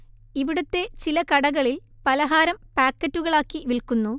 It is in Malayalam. ഇവിടുത്തെ ചില കടകളിൽ പലഹാരം പായ്ക്കറ്റുകളാക്കി വിൽക്കുന്നു